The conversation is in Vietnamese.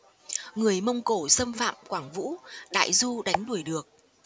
người mông cổ xâm phạm quảng vũ đại du đánh đuổi được